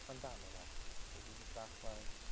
Amdano fe, felly dwi jyst bach fel...